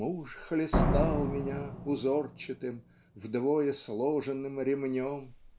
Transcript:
"Муж хлестал меня узорчатым вдвое сложенным ремнем"